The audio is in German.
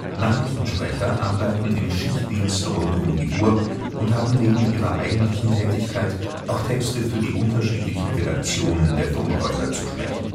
Nachrichtensprecher arbeiten im Schichtdienst rund um die Uhr und haben neben ihrer eigentlichen Tätigkeit auch Texte für die unterschiedlichen Redaktionen der Funkhäuser zu sprechen